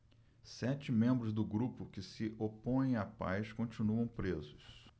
sete membros do grupo que se opõe à paz continuam presos